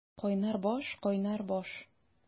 Кайнар баш, кайнар баш!